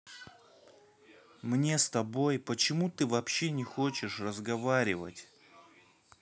мне с тобой почему ты вообще не хочешь разговаривать